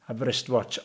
Aber-wristwatch